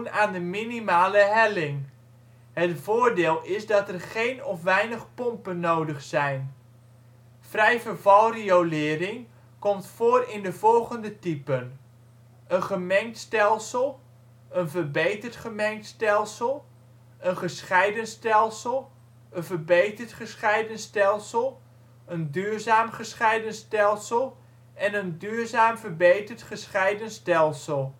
aan de minimale helling, het voordeel is dat er geen of weinig pompen nodig zijn. Vrijverval riolering komt voor in de volgende typen: een gemengd stelsel een verbeterd gemengd stelsel een gescheiden stelsel een verbeterd gescheiden stelsel een duurzaam gescheiden stelsel een duurzaam verbeterd gescheiden stelsel